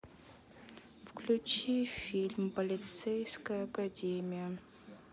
включи фильм полицейская академия